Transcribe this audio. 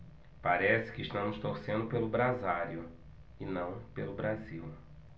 parece que estamos torcendo pelo brasário e não pelo brasil